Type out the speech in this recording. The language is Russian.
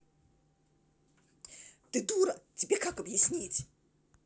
ты дура тебе как объяснить